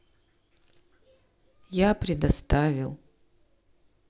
я предоставил